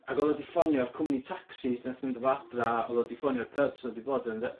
ag o'dd o 'di ffonio'r cwmni tacsis nath mynd â fo adra, o'dd o 'di ffonio'r pubs o'dd o 'di bod ynde